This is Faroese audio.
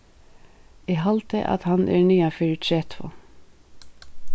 eg haldi at hann er niðan fyri tretivu